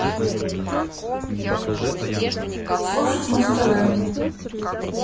слушать муз тв